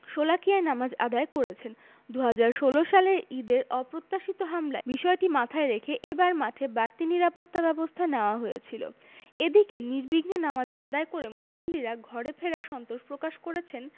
শোলাকিয়ায় নামাজ আদায় করেছেন ২০১৬ সালের ঈদের অপ্রত্যাশিত হামলার বিষয়টি মাথায় রেখে এবার মাঠে বাড়তি নিরাপত্তাব্যবস্থা নেওয়া হয়েছিল এদিকে নির্বিঘ্নে নামাজ আদায় করে মুসল্লিরা ঘরে ফেরায় সন্তোষ প্রকাশ করেছেন